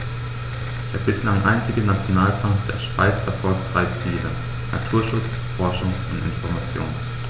Der bislang einzige Nationalpark der Schweiz verfolgt drei Ziele: Naturschutz, Forschung und Information.